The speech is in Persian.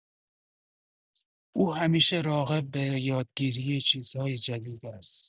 او همیشه راغب به یادگیری چیزهای جدید است.